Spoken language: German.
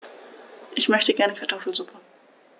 Ich möchte gerne Kartoffelsuppe.